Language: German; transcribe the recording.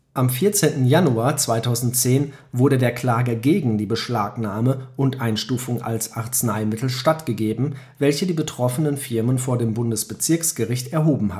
Am 14. Januar 2010 wurde der Klage gegen die Beschlagnahme und Einstufung als Arzneimittel stattgegeben, welche die betroffenen Firmen vor dem Bundesbezirksgericht erhoben